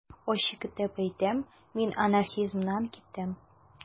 Ачык итеп әйтәм: мин анархизмнан киттем.